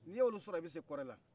n'i ye olu sɔrɔ i bɛ se korɛ la